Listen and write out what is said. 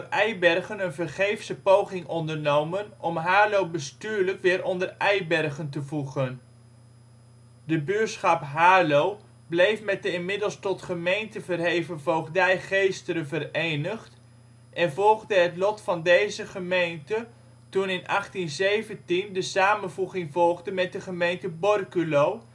Eibergen een vergeefse poging ondernomen om Haarlo bestuurlijk (weer) onder Eibergen te voegen. De buurschap Haarlo bleef met de inmiddels tot gemeente verheven voogdij Geesteren verenigd en volgde het lot van deze gemeente toen in 1817 de samenvoeging volgde met de gemeente Borculo